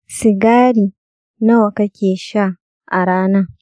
sigari nawa kake sha a rana?